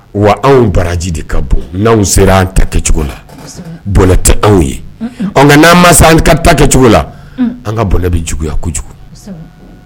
Wa anw baraji de ka bon nanw sera an ta kɛcogo la . Bɔnɛ tɛ anw ye . Ɔn ngan nan ma se an ta kɛcogo la an ka bɔnɛ bɛ juguya kojugu. kɔsɛbɛ